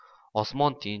osmon tinch